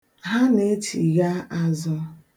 Ha na-echigha azụ.